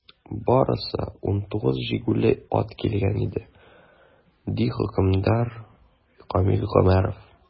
Барысы 19 җигүле ат килгән иде, - ди хөкемдар Камил Гомәров.